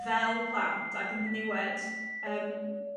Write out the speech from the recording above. fel plant ac yn ddiniwed yym